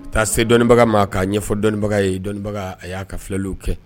Taa se dɔnnibaga ma kaa ɲɛfɔ dɔnnibaga ye dɔnnibaga a y'a ka filɛliw kɛ